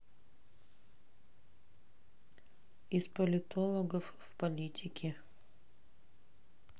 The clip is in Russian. из политологов в политики